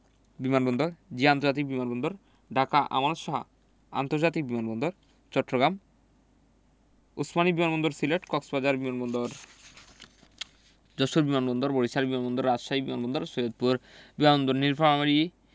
বিমান বন্দরঃ জিয়া আন্তর্জাতিক বিমান বন্দর ঢাকা আমানত শাহ্ আন্তর্জাতিক বিমান বন্দর চট্টগ্রাম ওসমানী বিমান বন্দর সিলেট কক্সবাজার বিমান বন্দর যশোর বিমান বন্দর বরিশাল বিমান বন্দর রাজশাহী বিমান বন্দর সৈয়দপুর বিমান বন্দর নিলফামারী